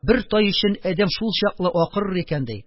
Бер тай өчен адәм шул чаклы акырыр икән, ди.